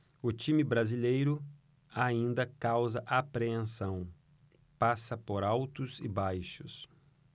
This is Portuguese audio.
o time brasileiro ainda causa apreensão passa por altos e baixos